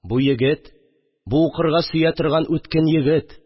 Бу егет, бу укырга сөя торган үткен егет